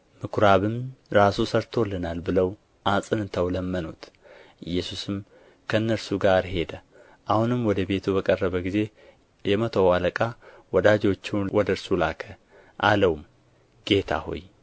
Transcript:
ምኵራብም ራሱ ሠርቶልናል ብለው አጽንተው ለመኑት ኢየሱስም ከእነርሱ ጋር ሄደ አሁንም ወደ ቤቱ በቀረበ ጊዜ የመቶው አለቃ ወዳጆቹን ወደ እርሱ ላከ አለውም ጌታ ሆይ